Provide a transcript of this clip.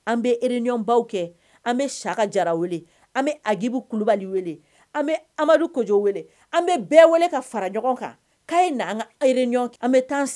An bɛre kɛ an bɛ saka jara weele an bɛ akibu kulubali weele an bɛ amadu kojɔ wele an bɛ bɛɛ wele ka fara ɲɔgɔn kan'a ye an karre ɲɔgɔnɔn an bɛ taa